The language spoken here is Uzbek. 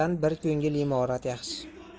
bir ko'ngil imorat yaxshi